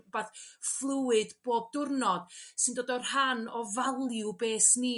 rwbath fluid bob diwrnod sy'n dod o' rhan o value base ni